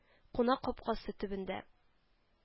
Кунак капкасы төбендә